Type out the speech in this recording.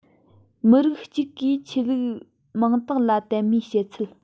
མི རིགས གཅིག གིས ཆོས ལུགས མང དག ལ དད མོས བྱེད ཚུལ